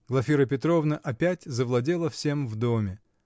Глафира Петровна опять завладела всем в доме